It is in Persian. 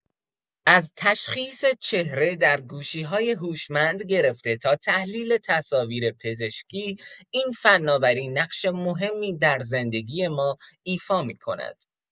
از تشخیص چهره در گوشی‌های هوشمند گرفته تا تحلیل تصاویر پزشکی، این فناوری نقش مهمی در زندگی ما ایفا می‌کند.